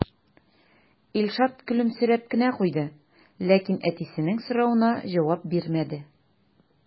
Илшат көлемсерәп кенә куйды, ләкин әтисенең соравына җавап бирмәде.